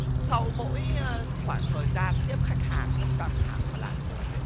sau mỗi khoảng thời gian tiếp khách hàng rất căng thẳng và làm nhiều việc